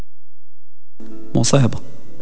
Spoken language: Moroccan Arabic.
مصيبه